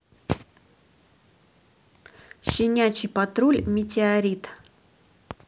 щенячий патруль метеорит